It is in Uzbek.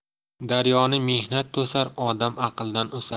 daryoni mehnat to'sar odam aqldan o'sar